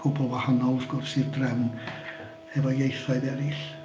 Cwbl wahanol wrth gwrs i'r drefn efo ieithoedd eraill.